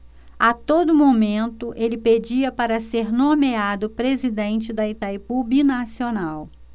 a todo momento ele pedia para ser nomeado presidente de itaipu binacional